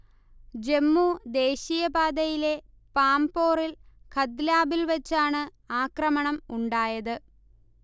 ജമ്മു ദേശീയപാതയിലെ പാംപോറിൽ കദ്ലാബാലിൽ വച്ചാണ് ആക്രമണം ഉണ്ടായത്